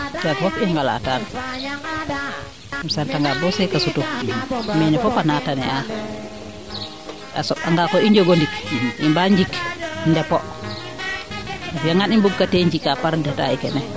kaaga fop i ngalataan comme ca a reta nga boo seeqa sutu meene fop a naa tane aa a soɓ andaa koy i njego ndik i mbaa njik depot a fiya ngaan i mbug kate njikaa par detail kene